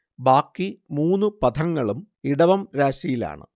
ബാക്കി മൂന്നു പഥങ്ങളും ഇടവം രാശിയിൽ ആണ്